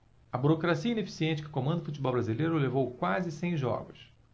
a burocracia ineficiente que comanda o futebol brasileiro levou quase cem jogos